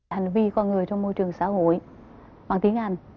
hành vi con người trong môi trường xã hội bằng tiếng anh